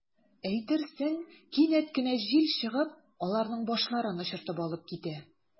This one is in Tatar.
Әйтерсең, кинәт кенә җил чыгып, аларның “башларын” очыртып алып китә.